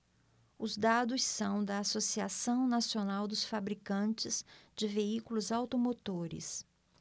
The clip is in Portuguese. os dados são da anfavea associação nacional dos fabricantes de veículos automotores